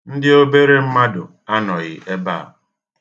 Ndị obere mmadụ anọghị ebe a.